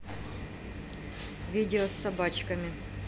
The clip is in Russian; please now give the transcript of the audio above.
видео с собачками